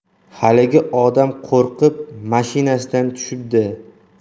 haligi odam qo'rqib mashinadan tushibdi